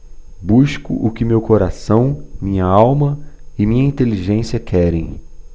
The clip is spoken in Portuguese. busco o que meu coração minha alma e minha inteligência querem